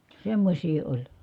semmoisia oli